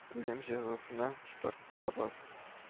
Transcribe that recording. Үлем җәзасына тарттырабыз